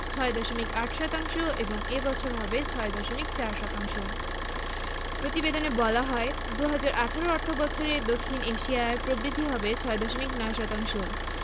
৬.৮ শতাংশ এবং এ বছর হবে ৬.৪ শতাংশ প্রতিবেদনে বলা হয় ২০১৮ অর্থবছরে দক্ষিণ এশিয়ায় প্রবৃদ্ধি হবে ৬.৯ শতাংশ